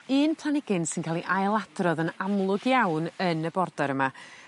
Un planigyn sy'n ca'l 'i ailadrodd yn amlwg iawn yn y border yma